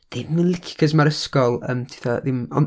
ddim yn lic- achos ma'r ysgol, yym, ti fatha, ddim,